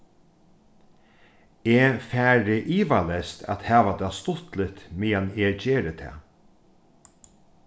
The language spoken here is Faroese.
eg fari ivaleyst at hava tað stuttligt meðan eg geri tað